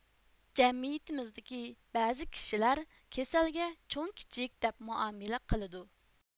جەمئىيىتىمىزدىكى بەزى كىشىلەر كېسەلگە چوڭ كىچىك دەپ مۇئامىلە قىلىدۇ